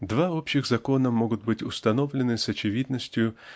Два общих закона могут быть установлены с очевидностью